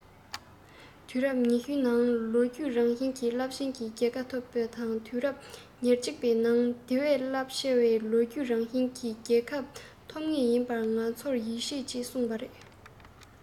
དུས རབས ཉི ཤུ བའི ནང ལོ རྒྱུས རང བཞིན གྱི རླབས ཆེན རྒྱལ ཁ ཐོབ པའི དུས རབས ཉེར གཅིག པའི ནང དེ བས རླབས ཆེ བའི ལོ རྒྱུས རང བཞིན གྱི རྒྱལ ཁབ ཐོབ ངེས ཡིན པ ང ཚོར ཡིད ཆེས ཡོད ཅེས གསུངས པ རེད